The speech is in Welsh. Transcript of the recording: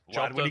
Job done.